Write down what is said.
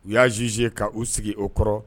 U y'azize ka u sigi o kɔrɔ